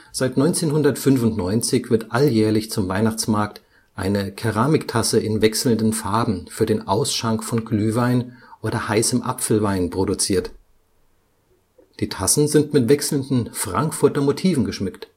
Seit 1995 wird alljährlich zum Weihnachtsmarkt eine Keramiktasse in wechselnden Farben für den Ausschank von Glühwein oder heißem Apfelwein produziert. Die Tassen sind mit wechselnden Frankfurter Motiven geschmückt